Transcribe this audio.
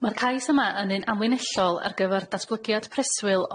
Ma'r cais yma yn un amlinellol ar gyfar datblygiad preswyl